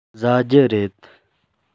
ཟ རྒྱུ རེད